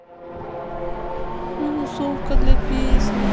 минусовка для песни